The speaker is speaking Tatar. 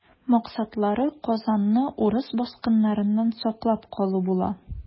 Максатлары Казанны урыс баскыннарыннан саклап калу була.